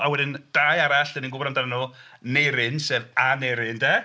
A wedyn dau arall dan ni'n gwbod amdanyn nhw, Neirin sef Aneurin de.